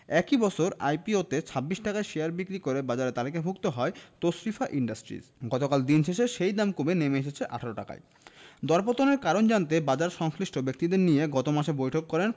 একই বছর আইপিওতে ২৬ টাকায় শেয়ার বিক্রি করে বাজারে তালিকাভুক্ত হয় তশরিফা ইন্ডাস্ট্রিজ গতকাল দিন শেষে সেই দাম কমে নেমে এসেছে ১৮ টাকায় দরপতনের কারণ জানতে বাজারসংশ্লিষ্ট ব্যক্তিদের নিয়ে গত মাসে বৈঠক করেন